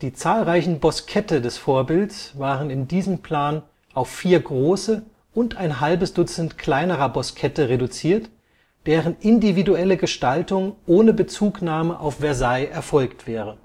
zahlreichen Boskette des Vorbilds waren in diesem Plan auf vier große und ein halbes Dutzend kleinerer Boskette reduziert, deren individuelle Gestaltung ohne Bezugnahme auf Versailles erfolgt wäre